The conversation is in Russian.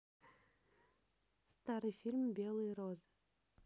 старый фильм белые розы